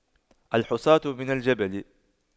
الحصاة من الجبل